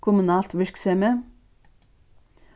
kommunalt virksemi